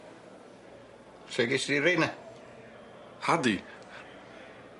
Lle gest di reina? Hardy